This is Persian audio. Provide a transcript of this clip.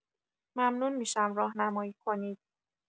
ممنون می‌شم راهنمایی کنید.